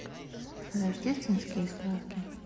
рождественские сказки